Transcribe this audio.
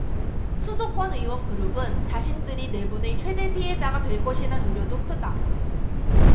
수도권 의원 그룹은 자신들이 내분의 최대 피해자가 될 것이란 우려도 크다